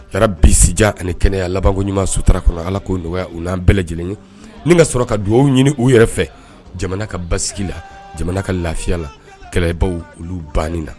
Kɛra binsija ani kɛnɛyaya labanko ɲuman suta kɔnɔ ko nɔgɔyaya u n' bɛɛ lajɛlen ye ni ka sɔrɔ ka dugaw ɲini u yɛrɛ fɛ jamana ka basigi la jamana ka lafiya la kɛlɛbaw olu ban na